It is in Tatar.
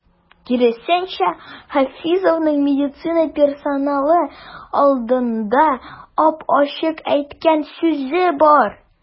Киресенчә, Хафизовның медицина персоналы алдында ап-ачык әйткән сүзе бар.